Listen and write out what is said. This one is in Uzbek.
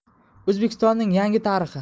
o'zbekistonning yangi tarixi